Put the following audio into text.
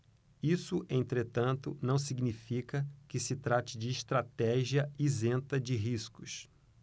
isso entretanto não significa que se trate de estratégia isenta de riscos